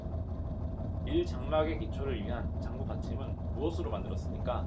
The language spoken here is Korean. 일 장막의 기초를 위한 장부 받침은 무엇으로 만들었습니까